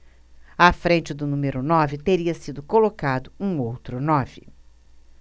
à frente do número nove teria sido colocado um outro nove